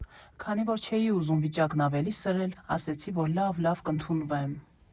Քանի որ չէի ուզում վիճակն ավելի սրել, ասեցի, որ «լավ, լավ, կընդունվեմ»։